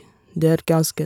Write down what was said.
Det er ganske...